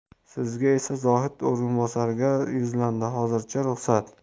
sizga esa zohid o'rinbosarga yuzlandi hozircha ruxsat